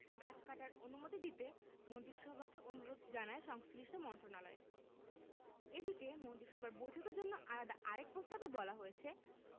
গাছ কাটার অনুমতি দিতে মন্ত্রিসভাকে অনুরোধ জানায় সংশ্লিষ্ট মন্ত্রণালয় এদিকে মন্ত্রিসভা বৈঠকের জন্য আলাদা আরেক প্রস্তাবে বলা হয়েছে